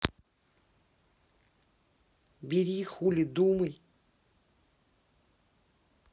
бери хули думай